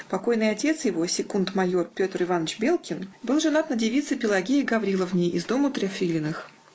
Покойный отец его, секунд-майор Петр Иванович Белкин, был женат на девице Пелагее Гавриловне из дому Трафилиных.